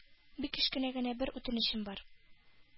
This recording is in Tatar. Бик кечкенә генә бер үтенечем бар.